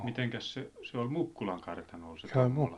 mitenkäs se se oli Mukkulan kartanoa se Tommola